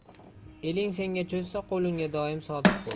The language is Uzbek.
eling senga cho'zsa qo'l unga doim sodiq bo'l